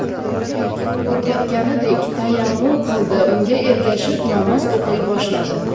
ismoilbey o'rgatganidek tayamum qildi unga ergashib namoz o'qiy boshladi